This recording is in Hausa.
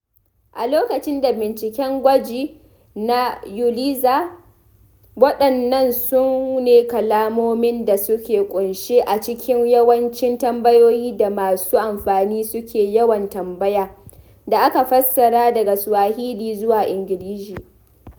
A lokacin binciken gwaji na Uliza, waɗannan su ne kalmomin da suke ƙunshe a cikin yawancin tambayoyin da masu amfani suke yawan tambaya (da aka fassara daga Swahili zuwa Ingilishi).